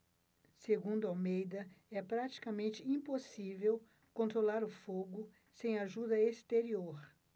segundo almeida é praticamente impossível controlar o fogo sem ajuda exterior